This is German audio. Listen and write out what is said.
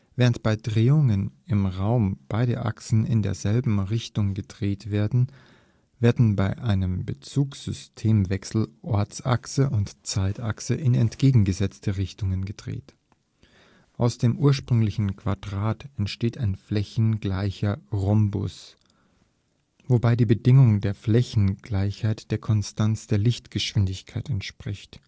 Während bei Drehungen im Raum beide Achsen in dieselbe Richtung gedreht werden, werden bei einem Bezugssystemwechsel Ortsachse und Zeitachse in entgegengesetzte Richtungen gedreht: Aus dem ursprünglichen Quadrat entsteht ein flächengleicher Rhombus, wobei die Bedingung der Flächengleichheit der Konstanz der Lichtgeschwindigkeit entspricht